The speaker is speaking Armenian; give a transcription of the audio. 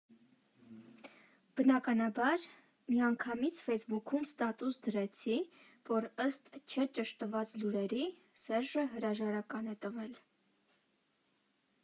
Բնականաբար, միանգամից ֆեյսբուքում ստատուս դրեցի, որ ըստ չճշտված լուրերի, Սերժը հրաժարական է տվել։